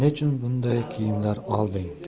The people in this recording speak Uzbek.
nechun bunday kiyimlar olding